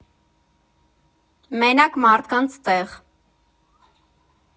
Մենակ մարդկանց տեղ։